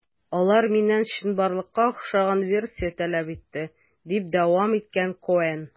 Алар миннән чынбарлыкка охшаган версия таләп итте, - дип дәвам иткән Коэн.